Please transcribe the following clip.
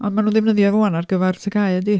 Ond maen nhw'n ddefnyddio fo ŵan ar gyfer TGAU yndy?